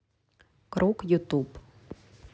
круг ютуб